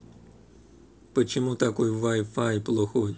почему такой вай фай плохой